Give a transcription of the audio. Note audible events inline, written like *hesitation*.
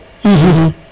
*hesitation* *hesitation*